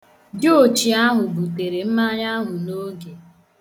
Diochi ahụ butere mmanya ahụ n'oge.